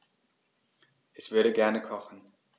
Ich würde gerne kochen.